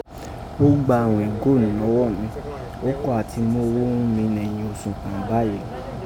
O gba àwẹ̀n góòlù nọwọ mi, o kọ ati mú owo ghún mi nẹ̀yìn oṣu kàn bayii.